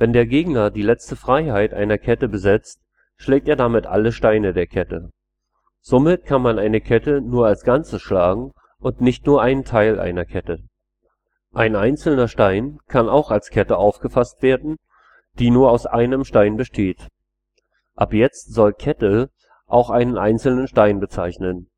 der Gegner die letzte Freiheit einer Kette besetzt, schlägt er damit alle Steine der Kette. Somit kann man eine Kette nur als ganzes schlagen, und nicht nur einen Teil einer Kette. Ein einzelner Stein kann auch als Kette aufgefasst werden, die nur aus einem Stein besteht. Ab jetzt soll „ Kette “auch einen einzelnen Stein bezeichnen